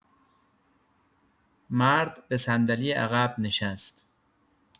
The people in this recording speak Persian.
مرد به صندلی عقب نشست.